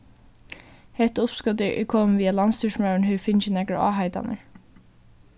hetta uppskotið er komið við at landsstýrismaðurin hevur fingið nakrar áheitanir